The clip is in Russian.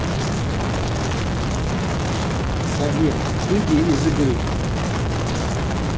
совет выйди из игры